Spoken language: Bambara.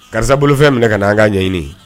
Karisa bolofɛn minɛ ka'an ka ɲɛɲini